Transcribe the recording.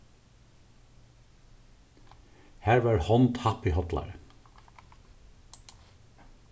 har var hond happi hollari